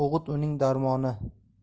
o'g'it uning darmoni